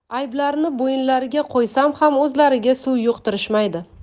ayblarini bo'yinlariga qo'ysam ham o'zlariga suv yuqtirishmaydi